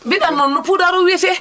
mbiiɗaa noon no puudar oo wiyetee